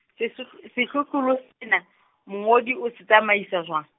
sehlohl-, sehlohlolo sena, mongodi o se tsamaisa jwang?